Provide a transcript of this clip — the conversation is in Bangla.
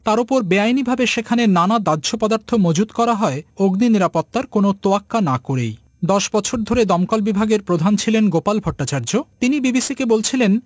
তার উপর বেআইনিভাবে সেখানে নানা দাহ্য পদার্থ মজুদ করা হয় অগ্নি নিরাপত্তার কোনো তোয়াক্কা না করেই ১০ বছর ধরে দমকল বিভাগের প্রধান ছিলেন গোপাল ভট্টাচার্য তিনি বিবিসিকে বলছিলেন